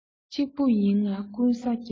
གཅིག པུ ཡིན ང ཀུན ས རྒྱལ